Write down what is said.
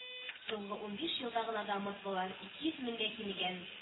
Соңгы унбиш елда гына да мордвалар ике йөз меңгә кимегән